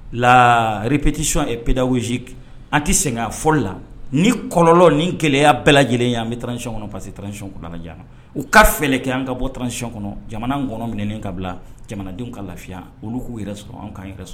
La répétition est pédagogique an ti sɛŋɛn a fɔli la ni kɔlɔlɔ nin gɛlɛya bɛɛ lajɛlen ye an bɛ _transition kɔnɔ parce que transition kunnana jiyara u ka fɛlɛ kɛ an ka bɔ transition kɔnɔ jamana ngɔɔnɔ minɛnen ka bila jamanadenw ka lafiya olu k'u yɛrɛ sɔrɔ anw k'an yɛrɛ s